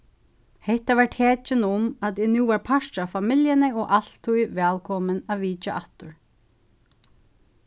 hetta var tekin um at eg nú var partur av familjuni og altíð vælkomin at vitja aftur